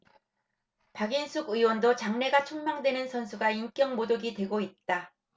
박인숙 의원도 장래가 촉망되는 선수가 인격모독이 되고 있다